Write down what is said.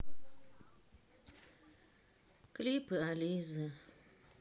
клипы ализе